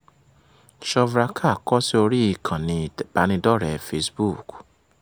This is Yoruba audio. Shuvra Kar kọ sí oríi Facebook: